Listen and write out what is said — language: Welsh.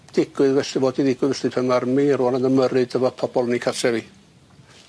digwydd felly fod i'n<aneglur digwydd felly rŵan yn ymyrryd efo pobol yn i cartrefi.